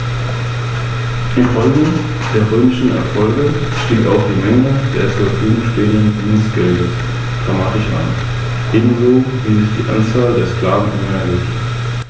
Kernzonen und die wichtigsten Bereiche der Pflegezone sind als Naturschutzgebiete rechtlich gesichert.